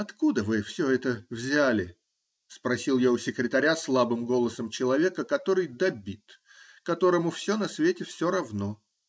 "Откуда вы все это взяли?"-- спросил я у секретаря слабым голосом человека, который добит, которому все на свете все равно.